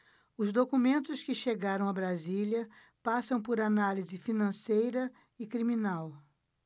os documentos que chegaram a brasília passam por análise financeira e criminal